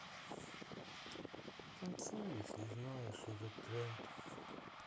танцуй если знаешь этот тренд